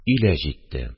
Өйлә җитте